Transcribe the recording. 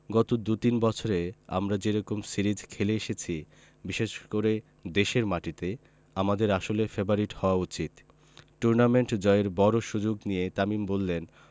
গত দু তিন বছরে আমরা যে রকম সিরিজ খেলে এসেছি বিশেষ করে দেশের মাটিতে আমাদের আসলে ফেবারিট হওয়া উচিত টুর্নামেন্ট জয়ের বড় সুযোগ নিয়ে তামিম বললেন